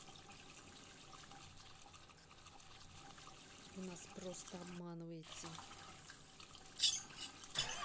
вы просто нас обманываете